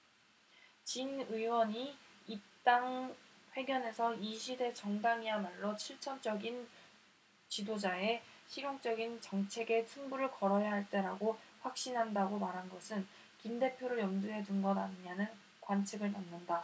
진 의원이 입당 회견에서 이 시대 정당이야말로 실천적인 지도자의 실용적인 정책에 승부를 걸어야 할 때라고 확신한다고 말한 것은 김 대표를 염두에 둔 것 아니냐는 관측을 낳는다